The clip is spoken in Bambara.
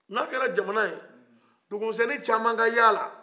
n'a kɛra jamana ye dugu misɛnni caman ka y'a la